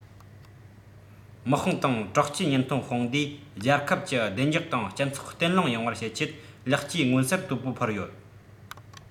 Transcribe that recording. དམག དཔུང དང དྲག ཆས ཉེན རྟོག དཔུང སྡེས རྒྱལ ཁབ ཀྱི བདེ འཇགས དང སྤྱི ཚོགས བརྟན ལྷིང ཡོང བར བྱེད ཆེད ལེགས སྐྱེས མངོན གསལ དོད པོ ཕུལ ཡོད